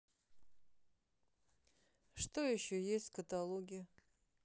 что еще есть в каталоге